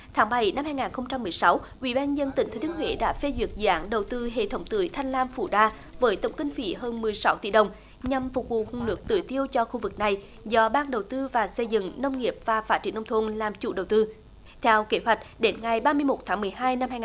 tháng bảy năm hai ngàn không trăm mười sáu ủy ban nhân dân tỉnh thừa thiên huế đã phê duyệt dự án đầu tư hệ thống tưới thanh lam phủ da với tổng kinh phí hơn mười sáu tỷ đồng nhằm phục vụ nước tưới tiêu cho khu vực này do bang đầu tư và xây dựng nông nghiệp và phác triểng nông thôn làm chủ đầu tư theo kế hoạch đến ngày ba mươi mốt tháng mười hai năm hai